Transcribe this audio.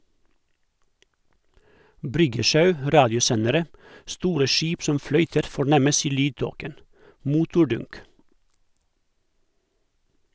Bryggesjau, radiosendere, store skip som fløyter fornemmes i lydtåken, motordunk.